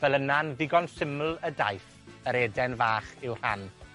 Fel yna'n ddigon syml y daeth yr Edan fach i'w rhan.